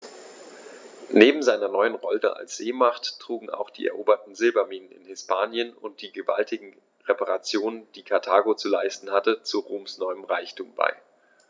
Neben seiner neuen Rolle als Seemacht trugen auch die eroberten Silberminen in Hispanien und die gewaltigen Reparationen, die Karthago zu leisten hatte, zu Roms neuem Reichtum bei.